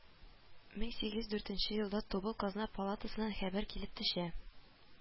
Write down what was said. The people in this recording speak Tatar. Мең сигез дүртенче елда тубыл казна палатасыннан хәбәр килеп төшә